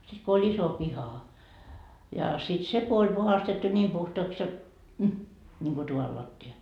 sitten kun oli iso piha ja sitten se kun oli puhdistettu niin puhtaaksi jotta - niin kuin tuvan lattia